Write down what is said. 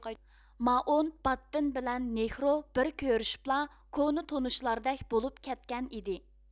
مائونتباتتىن بىلەن نىھرۇ بىر كۆرۈشۈپلا كونا تونۇشلاردەك بولۇپ كەتكەن ئىدى